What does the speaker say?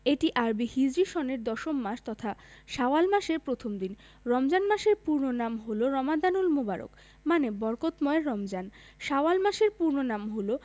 এটি আরবি হিজরি সনের দশম মাস তথা শাওয়াল মাসের প্রথম দিন রমজান মাসের পূর্ণ নাম হলো রমাদানুল মোবারক মানে বরকতময় রমজান শাওয়াল মাসের পূর্ণ নাম হলো